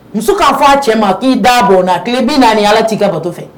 Muso ka fɔ a cɛ ma ki da bɔ n na kile 40 Ala ti ka bato fɛ.